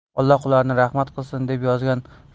alloh ularni rahmat qilsin deb